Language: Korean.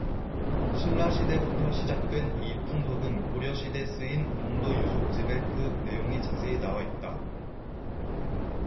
신라시대부터 시작된 이 풍속은 고려시대 쓰인 동도유속집에 그 내용이 자세히 나와있다